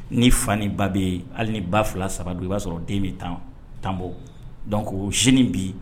Ni fa ni ba bɛ yen hali ni ba fila saba don i b'a sɔrɔ den bɛ tan tanbɔ dɔn z bi